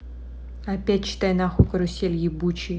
опять читать нахуй карусель ебучий